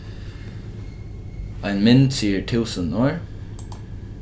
ein mynd sigur túsund orð